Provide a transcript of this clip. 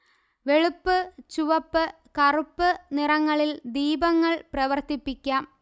വെളുപ്പ് ചുവപ്പ് കറുപ്പ് നിറങ്ങളിൽ ദീപങ്ങൾ പ്രവർത്തിപ്പിക്കാം